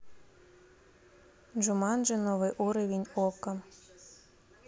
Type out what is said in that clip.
джуманджи новый уровень окко